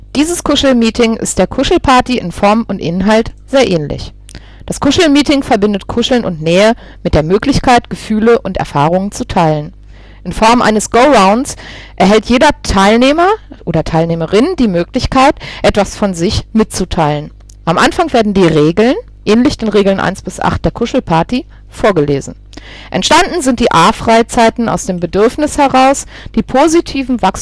Dieses Kuschelmeeting ist der Kuschelparty in Form und Inhalt sehr ähnlich. Das Kuschelmeeting verbindet Kuscheln und Nähe mit der Möglichkeit Gefühle und Erfahrungen zu teilen. In Form eines Go-Rounds erhält jeder Teilnehmer/in die Möglichkeit, etwas von sich mitzuteilen. Am Anfang werden die Regeln (ähnlich den Regeln 1 bis 8 der Kuschelparty) vorgelesen. Entstanden sind die A-Freizeiten aus dem Bedürfnis heraus, die positiven Wachstumsimpulse von Gästen